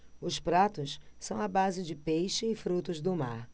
os pratos são à base de peixe e frutos do mar